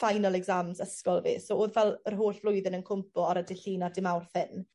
final exams ysgol fi so o'dd fel yr holl flwyddyn yn cwmpo ar y dy' Llun a'r dy' Mawrth hyn.